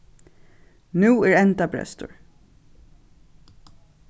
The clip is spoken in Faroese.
nú er endabrestur